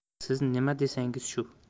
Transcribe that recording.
siz nima desangiz shu